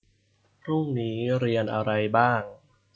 พรุ่งนี้เรียนอะไรบ้าง